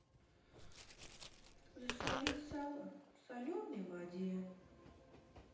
засолить сало в соленой воде